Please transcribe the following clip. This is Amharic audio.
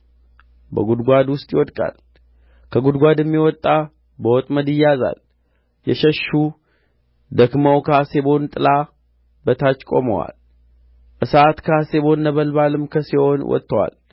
በጕድጓድ ውስጥ ይወድቃል ከጕድጓድም የወጣ በወጥመድ ይያዛል የሸሹ ደክመው ከሐሴቦን ጥላ በታች ቆመዋል እሳት ከሐሴቦን ነበልባልም ከሴዎን ወጥቶአል